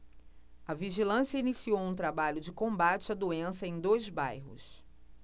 a vigilância iniciou um trabalho de combate à doença em dois bairros